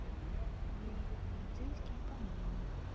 фильм полицейский по найму